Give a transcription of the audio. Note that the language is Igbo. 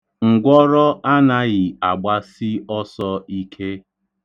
Ngwọrọ anaghị agbasi ọsọ ike.